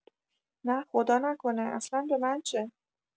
نه خدا نکنه اصلا به من چه؟